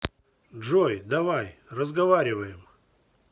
джой давай разговариваем